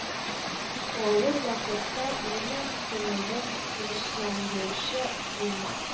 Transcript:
Авыр вакытта иренең күңелен тынычландыручы булмас